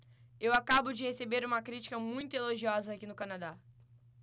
eu acabo de receber uma crítica muito elogiosa aqui no canadá